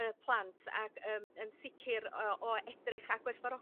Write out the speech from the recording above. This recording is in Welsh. y plant ac yym yn sicr o o edrych a gwerthfawrogi gwaith